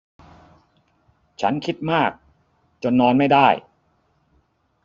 ฉันคิดมากจนนอนไม่ได้